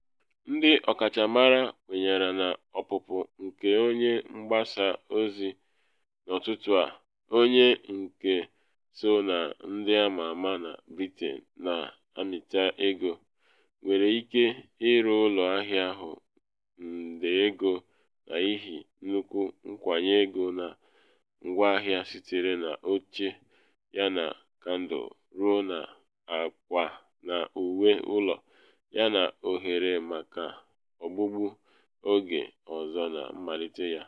Ndị ọkachamara kwenyere na ọpụpụ nke onye mgbasa ozi This Morning, onye nke so na ndị ama ama na Britain na amịta ego, nwere ike iri ụlọ ahịa ahụ nde ego n’ihi nnukwu nkwanye ego na ngwaahịa sitere na oche yana kandụl ruo n’akwa na uwe ụlọ, yana ohere maka ogbugbu oge ọzọ na mmalite ya.